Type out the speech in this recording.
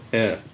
Ia.